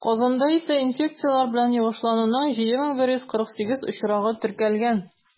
Казанда исә инфекцияләр белән йогышлануның 7148 очрагы теркәлгән.